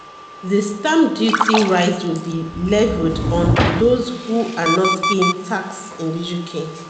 The stamp duty rise will be levied on those who are not paying tax in the UK